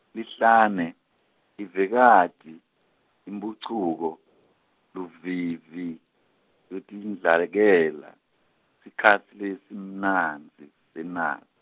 Lihlane, Livekati, imphucuko, luvivi, lwetidlakela, sikhatsi lesimnandzi, senal-.